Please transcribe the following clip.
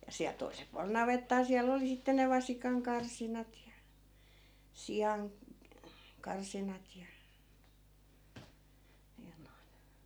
ja siellä toisella puolella navettaa siellä oli sitten ne vasikankarsinat ja - siankarsinat ja ja noin